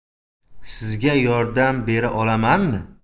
sizga yordam bera olamanmi